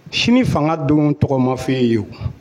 Sini fanga don tɔgɔmafinye yen